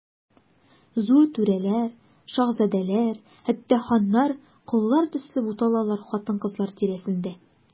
Зур түрәләр, шаһзадәләр, хәтта ханнар, коллар төсле буталалар хатын-кызлар тирәсендә.